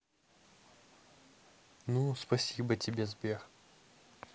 ну спасибо тебе сбер